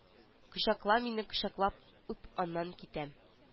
Кочакла мине кочаклап үп аннан китәм